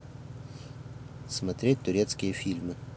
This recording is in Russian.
смотреть турецкие фильмы